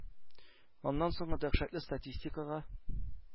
Аннан соңгы дәһшәтле статистикага,